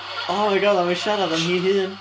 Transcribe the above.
Oh my God a mae hi'n siarad am hi ei hun!